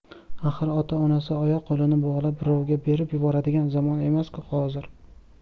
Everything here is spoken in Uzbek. axir ota onasi oyoq qo'lini bog'lab birovga berib yuboradigan zamon emas ku hozir